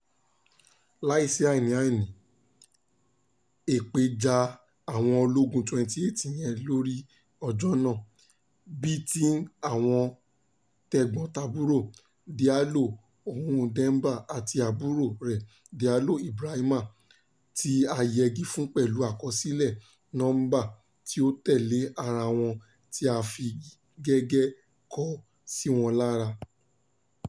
Láìsí àní-àní, èpè ja àwọn ológun 28 yẹn lóru ọjọ́ náà. Bí i ti àwọn tẹ̀gbọ́n-tàbúrò, Diallo Oumar Demba àti àbúròo rẹ̀ Diallo Ibrahima tí a yẹgi fún pẹ̀lú àkọsílẹ̀ nọ́ḿbà tí ó tẹ̀lé ara wọn tí a fi gègé kọ sí wọn lára.